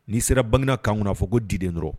N'i sera Baginda camp kɔnɔ a fɔ ko diden dɔrɔn